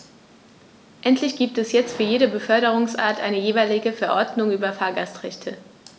Endlich gibt es jetzt für jede Beförderungsart eine jeweilige Verordnung über Fahrgastrechte.